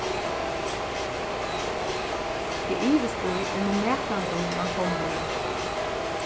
eg ivist í um hon nakrantíð man koma heim